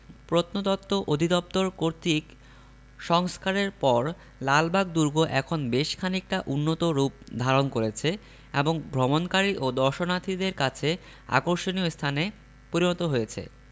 প্রত্নতত্ত্ব অধিদপ্তর কর্তৃক সংস্কারের পর লালবাগ দুর্গ এখন বেশ খানিকটা উন্নত রূপ ধারণ করেছে এবং ভ্রমণকারী ও দর্শনার্থীদের কাছে আকর্ষণীয় স্থানে পরিণত হয়েছে